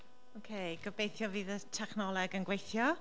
Ok gobeithio fydd y technoleg yn gweithio.